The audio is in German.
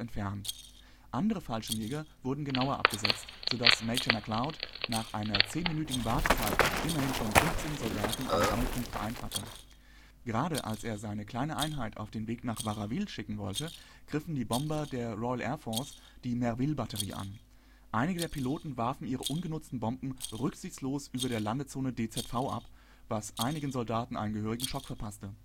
entfernt. Andere Fallschirmjäger wurden genauer abgesetzt, so dass Major McLeod nach einer zehnminütigen Wartezeit immerhin schon 15 Soldaten am Sammelpunkt vereint hatte. Gerade als er seine kleine Einheit auf den Weg nach Varaville schicken wollte, griffen die Bomber der RAF die Merville Batterie an. Einige der Piloten warfen ihre ungenutzten Bomben rücksichtslos über die Landezone DZ-V ab, was einigen Soldaten einen gehörigen Schock verpasste